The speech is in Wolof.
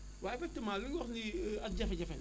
waaw effectivement li nga wax nii ak jafe-jafe la